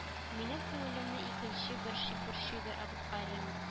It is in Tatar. Минем күңелемне икенче бер шик борчыйдыр абелкарип